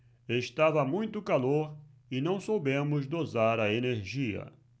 estava muito calor e não soubemos dosar a energia